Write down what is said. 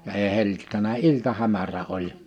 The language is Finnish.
ja ei hellittänyt iltahämärä oli